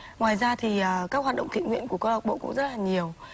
ngoài ra thì các hoạt động thiện nguyện của câu lạc bộ cũng rất là nhiều